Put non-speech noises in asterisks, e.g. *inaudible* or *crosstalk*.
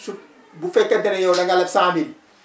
su bu fekkente ne yow da ngaa *noise* leb 100000